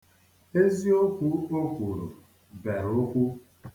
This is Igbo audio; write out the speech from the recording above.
Eziokwu o kwuru bere okwu.